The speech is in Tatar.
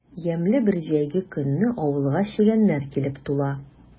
Ямьле бер җәйге көнне авылга чегәннәр килеп тула.